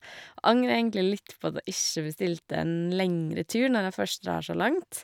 Angrer egentlig litt på at jeg ikke bestilte en lengre tur når jeg først drar så langt.